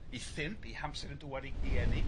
'i thymp 'i hamser yn dŵad i i eni.